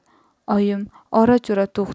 oyim ora chora to'xtab